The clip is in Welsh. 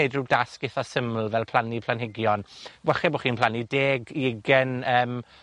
neud ryw dasg itha syml fel planni planhigion, wache bo' chi'n plannu deg i ugen yym